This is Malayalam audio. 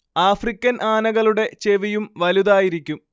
ആഫ്രിക്കൻ ആനകളുടെ ചെവിയും വലുതായിരിക്കും